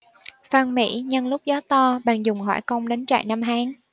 phan mỹ nhân lúc gió to bèn dùng hỏa công đánh trại nam hán